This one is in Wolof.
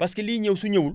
parce que liy ñëw su ñëwul